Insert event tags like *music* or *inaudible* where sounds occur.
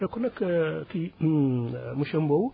kon nag *hesitation* kii *hesitation* monsieur Mbow